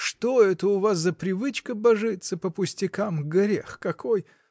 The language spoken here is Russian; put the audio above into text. что это у вас за привычка божиться по пустякам: грех какой!